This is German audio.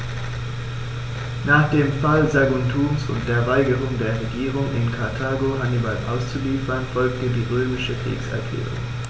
Nach dem Fall Saguntums und der Weigerung der Regierung in Karthago, Hannibal auszuliefern, folgte die römische Kriegserklärung.